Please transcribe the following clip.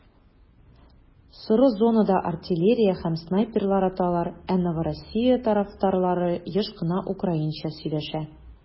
Соры зонада артиллерия һәм снайперлар аталар, ә Новороссия тарафтарлары еш кына украинча сөйләшә.